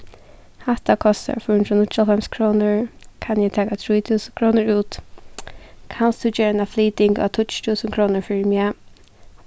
hatta kostar fýra hundrað og níggjuoghálvfems krónur kann eg taka trý túsund krónur út kanst tú gera eina flyting á tíggju túsund krónur fyri meg